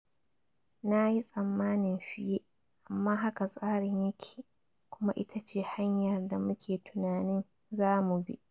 Na yi tsammanin fiye, amma haka tsarin ya ke kuma itace hanyar da mu ke tunanin za mu bi.